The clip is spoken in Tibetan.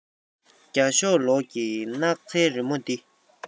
རྒྱ ཤོག ལོགས ཀྱི སྣག ཚའི རི མོ འདི